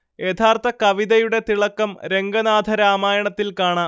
യഥാർഥ കവിതയുടെ തിളക്കം രംഗനാഥ രാമായണത്തിൽ കാണാം